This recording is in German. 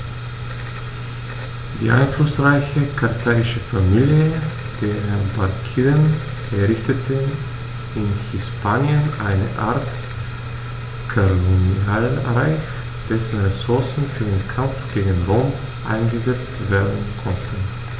Die einflussreiche karthagische Familie der Barkiden errichtete in Hispanien eine Art Kolonialreich, dessen Ressourcen für den Kampf gegen Rom eingesetzt werden konnten.